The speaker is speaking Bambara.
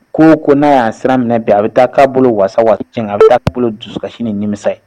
Ko o ko n'a y'a sira minɛ bi, a bɛ ta k'a bolo wasa a bɛ ta k'a bolo dusukasi ni nimisa ye